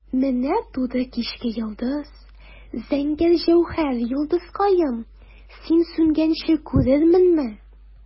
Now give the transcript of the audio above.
Менә туды кичке йолдыз, зәңгәр җәүһәр, йолдызкаем, син сүнгәнче күрерменме?